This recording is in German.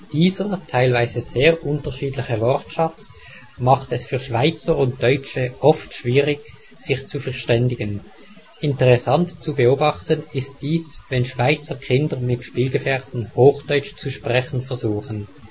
Dieser teilweise sehr unterschiedliche Wortschatz macht es für Schweizer und Deutsche oft schwierig, sich zu verständigen. Interessant zu beobachten ist dies, wenn Schweizer Kinder mit Spielgefährten Hochdeutsch zu sprechen versuchen